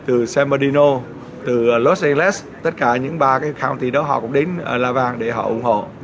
từ san ma ni nô từ lốt ây lét tất cả những ba cái thảo thị đó họ cũng đến ờ la vang để họ ủng hộ